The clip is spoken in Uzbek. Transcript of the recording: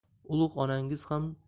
ulug' onangiz ham